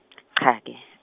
cha-ke.